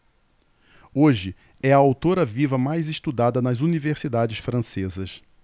hoje é a autora viva mais estudada nas universidades francesas